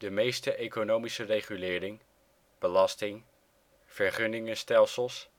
meeste economische regulering (belasting, vergunningenstelsels